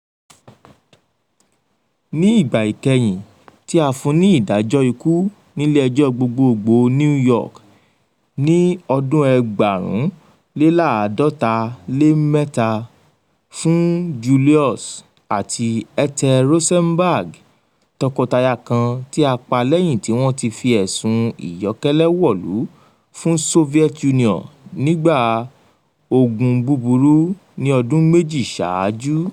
Ní ìgbà ìkẹyìn tí a fun ní ìdájọ́ ikú nílé ẹjọ́ Gbogboogbo New York ní 1953 fún Julius àti Ethel Rosenberg, tọkọtaya kan tí a pa lẹyìn tí wọn ti fi ẹ̀sùn ìyọ́kẹ́lẹ́ wọ̀lú fún Soviet Union nígbà ogun búburú ní ọdún méjì ṣáájú.